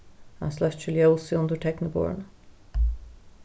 hann sløkkir ljósið undir tekniborðinum